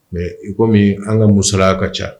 Mɛ i kɔmi an ka musosalaya ka ca